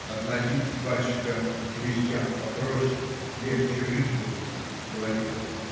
- Относитесь, батюшка, к вещам попроще, легче жить будет, - говорит он.